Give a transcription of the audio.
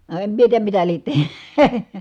no en minä tiedä mitä lie -